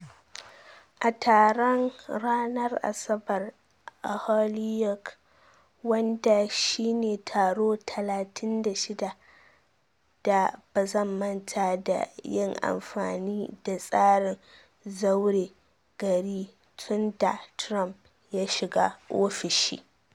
A taron ranar Asabar a Holyoke wanda shi ne taro 36 da mazabanta da yin amfani da tsarin zaure gari tun da Trump ya shiga ofishi.